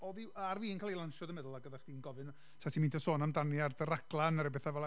oedd hi ar fin cael ei lansio, dwi'n meddwl, ac oeddach chdi'n gofyn "'sa ti'n meindio sôn amdani ar dy raglen" neu ryw betha fel 'na,